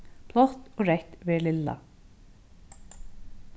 blátt og reytt verður lilla